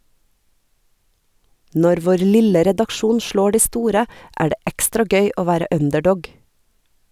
Når vår lille redaksjon slår de store, er det ekstra gøy å være underdog.